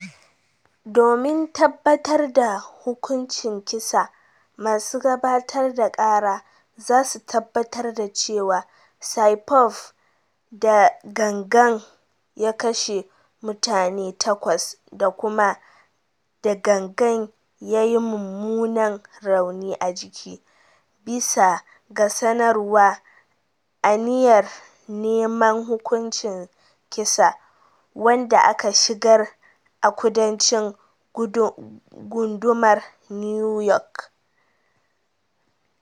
"Domin tabbatar da hukuncin kisa, masu gabatar da kara za su tabbatar da cewa Saipov "da gangan" ya kashe mutane takwas da kuma "da gangan"" ya yi mummunan rauni a jiki, bisa ga sanarwar aniyar neman hukuncin kisa, wanda aka shigar a Kudancin gundumar New York."